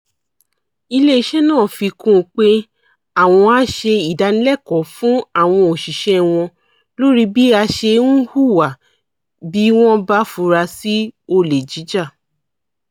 Ilé-iṣẹ́ náà fi kún un pé àwọn á ṣe ìdánilẹ́kọ̀ọ́ fún àwọn òṣìṣẹ́ wọn lórí bí a ṣe ń hùwà bí wọ́n bá fura sí olè jíjà.